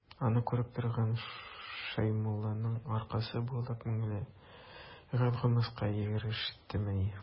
Аны күреп торган Шәймулланың аркасы буйлап меңләгән кырмыска йөгерештемени.